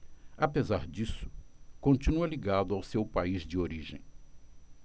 apesar disso continua ligado ao seu país de origem